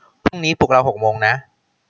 พรุ่งนี้ปลุกเราหกโมงนะ